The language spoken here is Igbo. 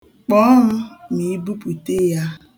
Kpọọ m ma ibupute ya.